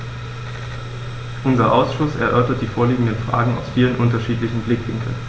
Unser Ausschuss erörtert die vorliegenden Fragen aus vielen unterschiedlichen Blickwinkeln.